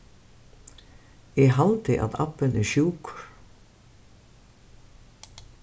eg haldi at abbin er sjúkur